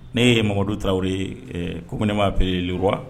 Ne ye Mmadu tarawele communément appelé le roi